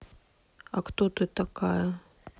а кто ты такая